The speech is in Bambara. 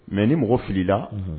Mɛ ni mɔgɔ filila